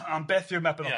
Ond beth yw'r Mabinogi?